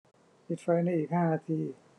ปิดไฟในอีกห้านาที